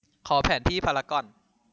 ขอแผนที่พารากอน